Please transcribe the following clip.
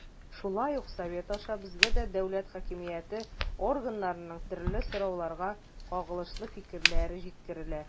Шулай ук Совет аша безгә дә дәүләт хакимияте органнарының төрле сорауларга кагылышлы фикерләре җиткерелә.